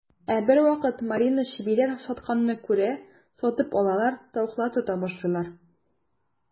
Ә бервакыт Марина чебиләр сатканны күрә, сатып алалар, тавыклар тота башлыйлар.